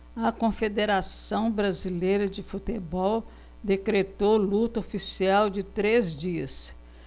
a confederação brasileira de futebol decretou luto oficial de três dias